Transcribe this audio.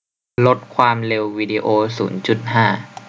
ลดความเร็ววีดีโอศูนย์จุดห้า